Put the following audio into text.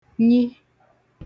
nyi